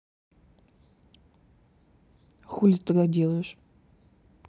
а хули ты тогда делаешь